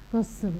Kɔsɛbɛ!